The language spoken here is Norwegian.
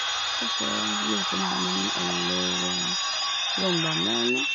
Kanskje Jotunheimen eller Rondane eller noe.